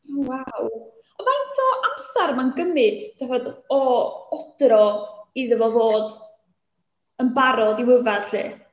Waw! Faint o amser mae'n gymryd, dach chi'n gwybod, o odro iddo fo fod yn barod i'w yfed 'lly?